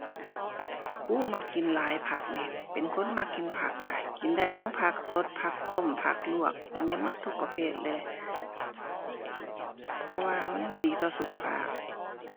อู้ มักกินหลายผักนี่ เป็นคนมักกินผักค่ะ กินได้เทิงผักสดผักต้มผักลวก กินได้หมดทุกประเภทเลย เพราะว่ามันดีต่อสุขภาพ